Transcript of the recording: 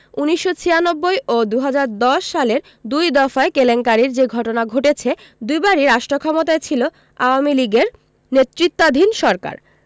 ১৯৯৬ ও ২০১০ সালের দুই দফায় কেলেঙ্কারির যে ঘটনা ঘটেছে দুবারই রাষ্ট্রক্ষমতায় ছিল আওয়ামী লীগের নেতৃত্বাধীন সরকার